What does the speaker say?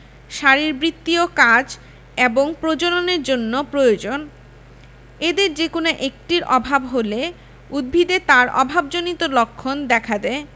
শারীরবৃত্তীয় কাজ এবং প্রজননের জন্য প্রয়োজন এদের যেকোনো একটির অভাব হলে উদ্ভিদে তার অভাবজনিত লক্ষণ দেখা দেয়